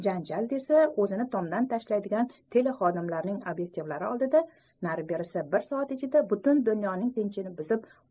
janjal desa o'zini tomdan tashlaydigan telexodimlarning ob'ektivlari oldida nari berisi bir soat ichida butun dunyoning tinchini buzib